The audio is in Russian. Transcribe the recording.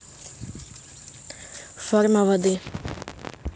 форма воды